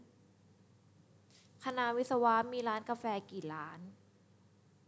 คณะวิศวะมีร้านกาแฟกี่ร้าน